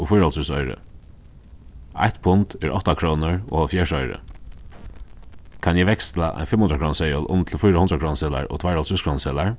og fýraoghálvtrýss oyru eitt pund er átta krónur og hálvfjerðs oyru kann eg veksla ein fimmhundraðkrónuseðil um til fýra hundraðkrónuseðlar og tveir hálvtrýsskrónuseðlar